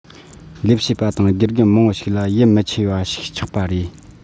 ལས བྱེད པ དང དགེ རྒན མང པོ ཞིག ལ ཡིད མི ཆེས པ ཞིག ཆགས པ རེད